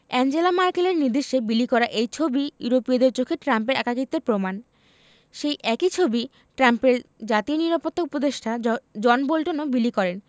Angela ম্যার্কেলের নির্দেশে বিলি করা এই ছবি ইউরোপীয়দের চোখে ট্রাম্পের একাকিত্বের প্রমাণ সেই একই ছবি ট্রাম্পের জাতীয় নিরাপত্তা উপদেষ্টা জ জন বোল্টনও বিলি করেন